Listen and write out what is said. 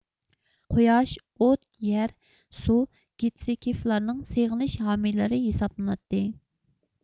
قۇياش ئوت يەر سۇ گىتسكىفلارنىڭ سېغىنىش ھامىيلىرى ھېسابلىناتتى